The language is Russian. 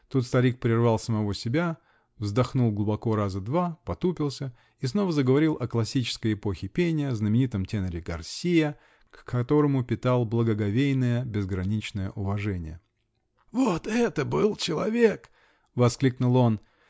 Тут старик перервал самого себя, вздохнул глубоко раза два, потупился -- и снова заговорил о классической эпохе пения, о знаменитом теноре Гарсиа, к которому питал благоговейное, безграничное уважение. "Вот был человек! -- воскликнул он.